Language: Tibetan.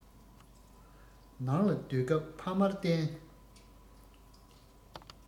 ནང ལ སྡོད སྐབས ཕ མར བརྟེན